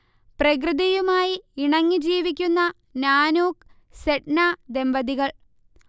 പ്രകൃതിയുമായി ഇണങ്ങി ജീവിക്കുന്ന നാനൂക്ക്, സെഡ്ന ദമ്പതികൾ